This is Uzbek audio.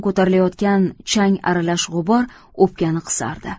ko'tarilayotgan chang aralash g'ubor o'pkani qisardi